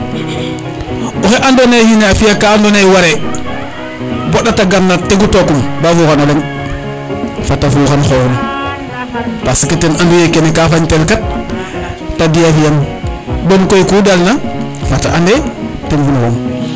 o xe ando naye in a fiya ka ando naye ware bo a ndata garna tegu tokum ba fuxano leŋ fata fuxan xoxum parce que ten andu ye kene ka fañ tel kat te di a fiyan bon koy ku dal na fata ande ten fina xoxum